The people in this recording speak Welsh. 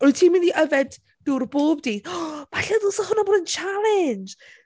Wyt ti'n mynd i yfed dŵr bob dydd. Falle ddylse hwnna bod yn challenge?